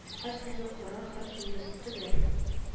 Һәр сүзе коры һәр җөмләсе төгәл